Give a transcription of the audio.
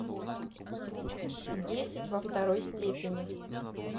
десять во второй степени